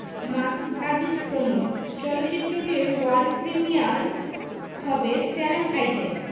মাসুম আজিজ প্রমুখ চলচ্চিত্রটির world premiere হবে চ্যানেল আইতে